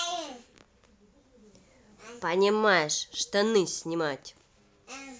понимаешь штаны снимать